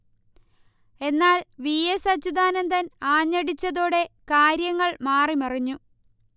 എന്നാൽ V. S. Achuthanandan ആഞ്ഞടിച്ചതോടെ കാര്യങ്ങൾ മാറി മറിഞ്ഞു